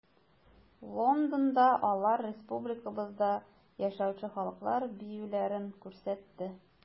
Лондонда алар республикабызда яшәүче халыклар биюләрен күрсәтте.